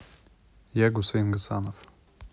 я гусейн гасанов